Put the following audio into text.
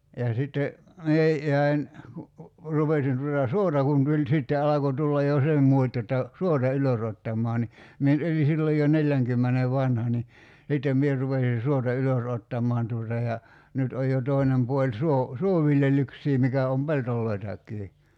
ja sitten minä jäin kun rupesin tuota suota kun tuli sitten alkoi tulla jo se muoti jotta suota ylösottamaan niin minä nyt olin silloin jo neljänkymmenen vanha niin sitten minä rupesin suota ylös ottamaan tuota ja nyt on jo toinen puoli - suoviljelyksiä mikä on peltojakin